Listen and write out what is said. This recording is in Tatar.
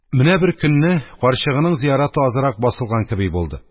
Менә беркөнне карчыгының зияраты азрак басылган кеби булды.